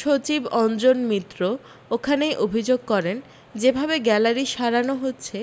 সচিব অঞ্জন মিত্র ওখানেই অভি্যোগ করেন যে ভাবে গ্যালারি সারানো হচ্ছে